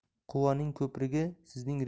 quvaning ko'prigi sizning